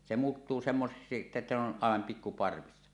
se muuttuu semmoiseksi että ne on aivan pikku parvissa